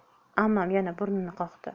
ammam yana burnini qoqdi